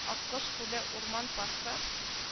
Аккош күле урман паркы